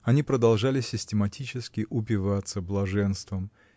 Они продолжали систематически упиваться блаженством.